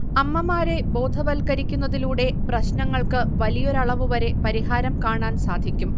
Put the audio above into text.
അമ്മമാരെ ബോധവൽക്കരിക്കുന്നതിലൂടെ പ്രശ്നങ്ങൾക്ക് വലിയൊരളവുവരെ പരിഹാരം കാണാൻ സാധിക്കും